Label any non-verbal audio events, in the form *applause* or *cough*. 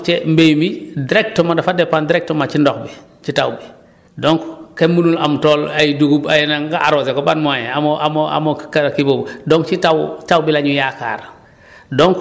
donc ca mbéy mi direct :ra moom dafa dépendre driectement ci ndox bi ci taw bi donc kenn mënul am tool ay dugub ay lan nga arrosé ko ban moyen amoo amoo amoo kii boobu *breath* donc ci taw taw bi la ñu yaakaar *breath*